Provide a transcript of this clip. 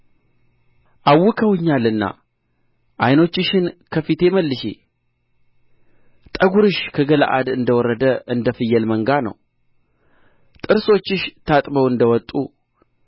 አውከውኛልና ዓይኖችሽን ከፊቴ መልሺ ጠጕርሽ ከገለዓድ እንደ ወረደ እንደ ፍየል መንጋ ነው ጥርሶችሽ ታጥበው እንደ ወጡ